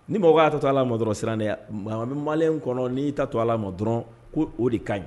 Ni mɔgɔ y'a to ala ma dɔrɔn siran mɔgɔ mali kɔnɔ n'i ta to ala ma dɔrɔn ko o de ka ɲi